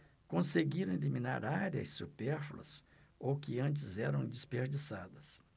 conseguiram eliminar áreas supérfluas ou que antes eram desperdiçadas